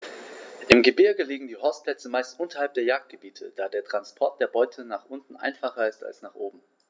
Im Gebirge liegen die Horstplätze meist unterhalb der Jagdgebiete, da der Transport der Beute nach unten einfacher ist als nach oben.